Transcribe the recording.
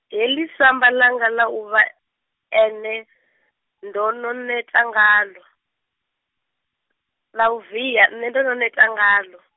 heḽi samba langa ḽa u vha, ene, ndo no neta ngaḽo, ḽa u via nṋe ndo no neta ngaḽo.